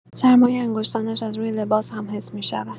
سرمای انگشتانش از روی لباس هم حس می‌شود.